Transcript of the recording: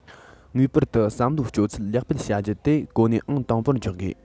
ངེས པར དུ བསམ བློའི སྤྱོད ཚུལ ལེགས སྤེལ བྱ རྒྱུ དེ གོ གནས ཨང དང པོར འཇོག དགོས